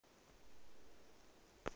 а серый долбоеб